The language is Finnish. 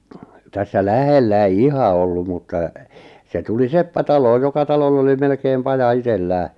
tässä lähellä ei ihan ollut mutta se tuli seppä taloon joka talolla oli melkein paja itsellään